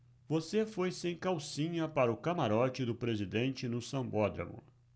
você foi sem calcinha para o camarote do presidente no sambódromo